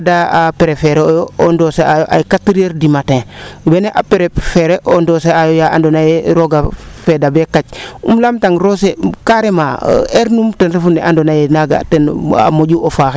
kaa de preferé oyo a nddose aayo ay quatre :far heure du matin :far wene preferé a ndoose aayo yaa ando naye reooga feeda bee qac im laam tang roose carrement heure num ten reu ne ando naye tena moƴu a faax